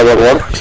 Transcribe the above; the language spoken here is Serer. i soɗa ma Ngor